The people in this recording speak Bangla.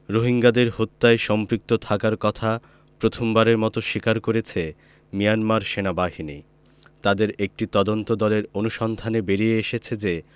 রোহিঙ্গাদের হত্যায় সম্পৃক্ত থাকার কথা প্রথমবারের মতো স্বীকার করেছে মিয়ানমার সেনাবাহিনী তাদের একটি তদন্তদলের অনুসন্ধানে বেরিয়ে এসেছে যে